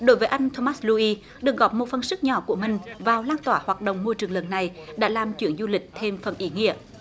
đối với anh thô mát lu y được góp một phần sức nhỏ của mình vào lan tỏa hoạt động môi trường lần này đã làm chuyến du lịch thêm phần ý nghĩa